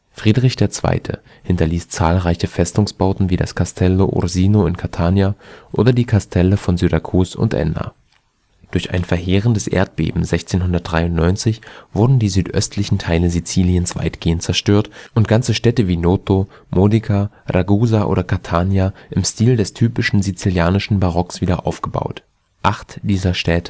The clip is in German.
Friedrich II. hinterließ zahlreiche Festungsbauten wie das Castello Ursino in Catania oder die Kastelle von Syrakus und Enna. Durch ein verheerendes Erdbeben 1693 wurden die südöstlichen Teile Siziliens weitgehend zerstört und ganze Städte wie Noto, Modica, Ragusa oder Catania im Stil des typisch sizilianischen Barocks wiederaufgebaut. Acht dieser Städte